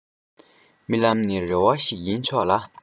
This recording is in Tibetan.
རྨི ལམ ནི རེ བ ཞིག ཡིན ཆོག ལ